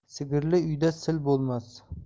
sigirli uyda sil bo'lmas